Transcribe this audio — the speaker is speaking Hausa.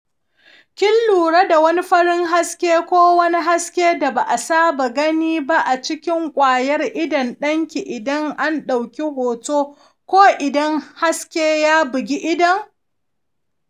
kin lura da wani farin haske ko wani haske da ba a saba gani ba a cikin ƙwayar idon yaron ki idan an ɗauki hoto ko idan haske ya bugi idon?